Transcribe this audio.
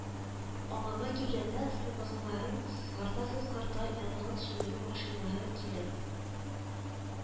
Аңыма килгәндә, сыбызгыларын сызгырта сызгырта янгын сүндерү машиналары килеп